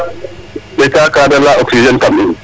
suta ka da layaa oxigéne kam in